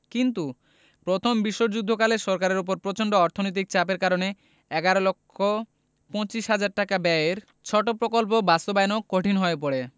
কিন্তু প্রথম বিশ্বযুদ্ধকালে সরকারের ওপর প্রচন্ড অর্থনৈতিক চাপের কারণে এগারো লক্ষ পচিশ হাজার টাকা ব্যয়ের ছোট প্রকল্প বাস্তবায়নও কঠিন হয়ে পড়ে